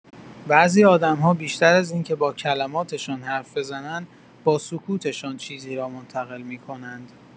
بعضی آدم‌ها بیشتر از اینکه با کلمات‌شان حرف بزنند، با سکوت‌شان چیزی را منتقل می‌کنند.